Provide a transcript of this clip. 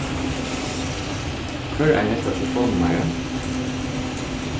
hvør eigur hetta telefonnummarið